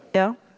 ja.